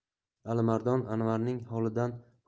alimardon anvarning holidan huzur